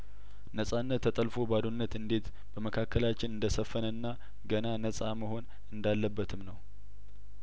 ነጻነት ተጠልፎ ባዶነት እንዴት በመካከላችን እንደሰፈነና ገና ነጻ መሆን እንዳለበትም ነው